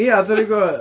Ia dan ni'n gwybod.